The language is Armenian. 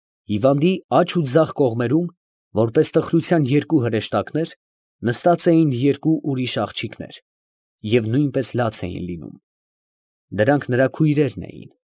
Հիվանդի աջ և ձախ կողմերում, որպես տխրության երկու հրեշտակներ, նստած էին երկու ուրիշ աղջիկներ, և նույնպես լաց էին լինում. ֊ դրանք նրա քույրերն էին։